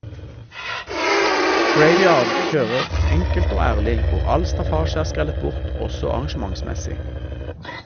Graveyard kjører enkelt og ærlig, hvor all staffasje er skrellet bort også arrangementsmessig.